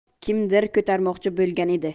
kimdir ko'tarmoqchi bo'lgan edi